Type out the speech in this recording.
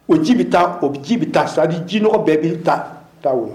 O ji bɛ taa o ji bɛ taa sa di jiɔgɔ bɛɛ' ta ta